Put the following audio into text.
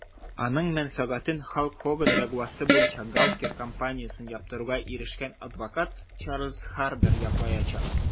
Аның мәнфәгатен Халк Хоган дәгъвасы буенча Gawker компаниясен яптыруга ирешкән адвокат Чарльз Хардер яклаячак.